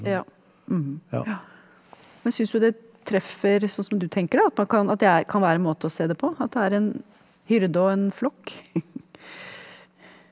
ja ja ja men syns du det treffer sånn som du tenker det, at man kan at det er kan være en måte å se det på at det er en hyrde og en flokk?